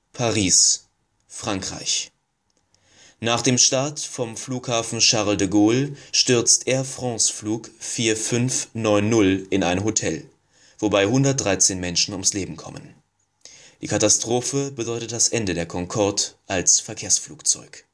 Paris/Frankreich: Nach dem Start vom Flughafen Charles de Gaulle stürzt Air-France-Flug 4590 in ein Hotel, wobei 113 Menschen ums Leben kommen. Die Katastrophe bedeutet das Ende der Concorde als Verkehrsflugzeug